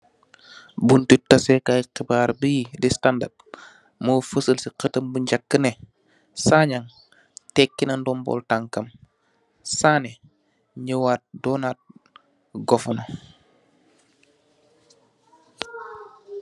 Bunti tase kaay xibaar bi di standard, mo faseel si xatam bu njakk ne Sanyang teeki na dombal tankam, Sanneh nyawaat doonat Governor